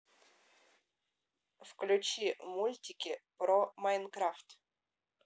включи мультики про майнкрафт